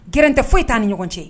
G tɛ foyi taa ni ɲɔgɔn cɛ